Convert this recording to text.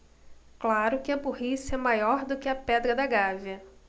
claro que a burrice é maior do que a pedra da gávea